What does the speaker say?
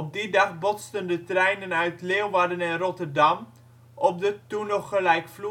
die dag botsten de treinen uit Leeuwarden en Rotterdam op de (toen nog) gelijkvloerse kruising